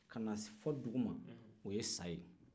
ka na fɔ duguma o ye sa ye